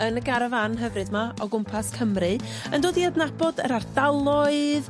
yn y garafan hyfryd 'ma o gwmpas Cymru yn dod i adnabod yr ardaloedd